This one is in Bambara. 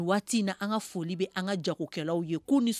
Waati na an ka foli bɛ an ka jagokɛlaw ye